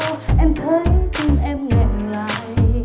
em thấy tim em